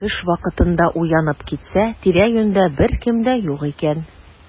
Төш вакытында уянып китсә, тирә-юньдә беркем дә юк икән.